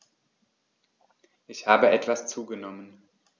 Ich habe etwas zugenommen